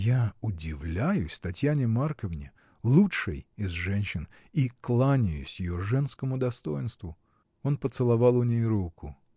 Я удивляюсь Татьяне Марковне, лучшей из женщин, и кланяюсь ее женскому достоинству! Он поцеловал у ней руку.